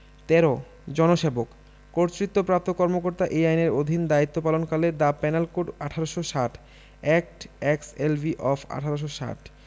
১৩ জনসেবকঃ কর্তৃত্বপ্রাপ্ত কর্মকর্তা এই আইনের অধীন দায়িত্ব পালনকালে the penal code ১৮৬০ act XLV of ১৮৬০